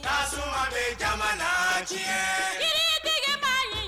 Sabamini jama la tiɲɛ jiritigiba ɲi